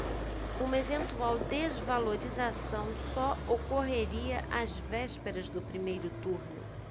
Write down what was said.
uma eventual desvalorização só ocorreria às vésperas do primeiro turno